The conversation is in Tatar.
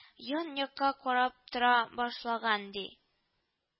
Ян-якка карап тора башлаган, ди